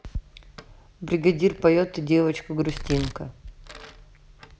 бригадир поет ты девочка грустинка